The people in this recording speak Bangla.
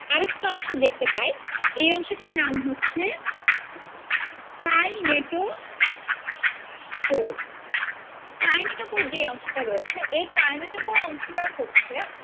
আমরা আরেকটা অংশ দেখতে পাই এই অংশটার নাম হচ্ছে কাইনেটোকোর কাইনেটোকোর যে অংশটা রয়েছে এ কাইনেটোকোর অংশটা হচ্ছে